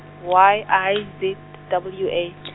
Y I Z W A .